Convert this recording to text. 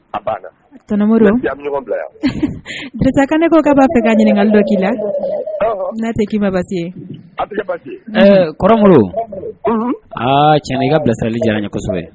Dɛsɛkan ne ko kababa fɛ ka ɲininkalo ki la ne tɛmaba kɔrɔgolo aa cɛ ka bilasali diyara kosɛbɛ